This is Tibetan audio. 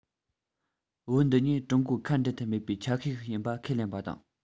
བོད འདི ཉིད ཀྲུང གོའི ཁ འབྲལ ཐབས མེད པའི ཆ ཤས ཤིག ཡིན པ ཁས ལེན པ དང